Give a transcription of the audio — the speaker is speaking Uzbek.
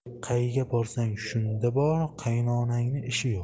qayga borsang shunda bor qaynonangning ishi yo'q